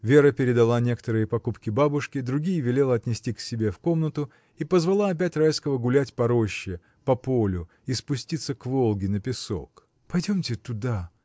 Вера передала некоторые покупки бабушке, другие велела отнести к себе в комнату и позвала опять Райского гулять по роще, по полю и спуститься к Волге, на песок. — Пойдемте туда!